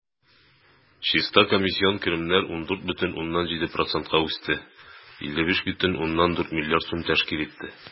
Чиста комиссион керемнәр 14,7 %-ка үсте, 55,4 млрд сум тәшкил итте.